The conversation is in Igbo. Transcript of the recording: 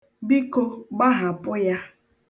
Biko, gbahapụ ya.